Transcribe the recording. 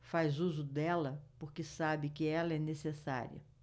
faz uso dela porque sabe que ela é necessária